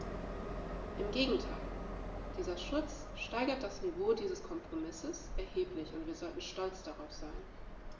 Im Gegenteil: Dieser Schutz steigert das Niveau dieses Kompromisses erheblich, und wir sollten stolz darauf sein.